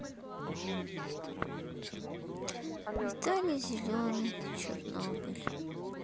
виталий зеленый чернобыль